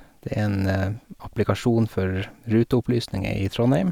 Det er en applikasjon for ruteopplysninger i Trondheim.